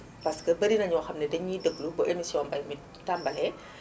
parce que barina ñoo xam ni dañu ñuy déglu bu émission mbay mi tàmbalee